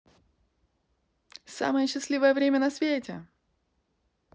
самое счастливое время на свете